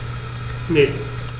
Ne.